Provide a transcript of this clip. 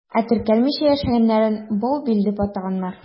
Ә теркәлмичә яшәгәннәрен «баубил» дип атаганнар.